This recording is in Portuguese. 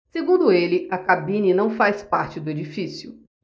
segundo ele a cabine não faz parte do edifício